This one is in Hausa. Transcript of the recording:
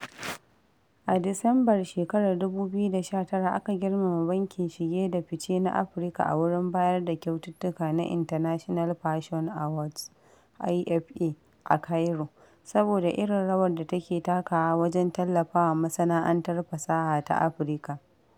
A Disambar shekarar 2019 aka girmama Bankin Shige da Fice na Afirka a wurin bayar da kyaututtuka na 'International Fashion Awards (IFA) ' a Cairo, saboda irin rawar da take takawa wajen tallafa wa Masana'antar Fasaha ta Afirka.